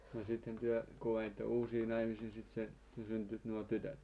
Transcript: no sitten te kun menitte uusiin naimisiin sitten se syntyivät nuo tytöt